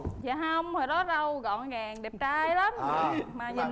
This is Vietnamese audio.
dạ không hồi đó râu gọn gàng đẹp trai lắm mà nhìn